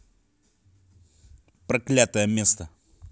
проклятое место